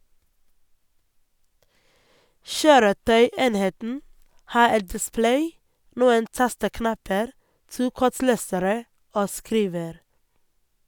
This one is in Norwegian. Kjøretøyenheten har et display, noen tasteknapper, to kortlesere og skriver.